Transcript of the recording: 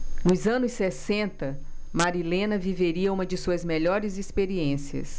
nos anos sessenta marilena viveria uma de suas melhores experiências